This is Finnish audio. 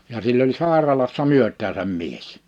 ja sillä oli sairaalassa myötäänsä mies